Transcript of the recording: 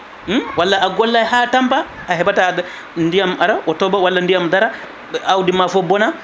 walla a gollay ha tampa a heeɓata ndiyam ara o tooɓa walla ndiyam daara awdima foof boona